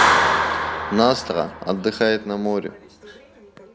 nastra отдыхает на море